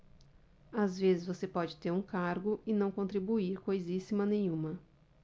às vezes você pode ter um cargo e não contribuir coisíssima nenhuma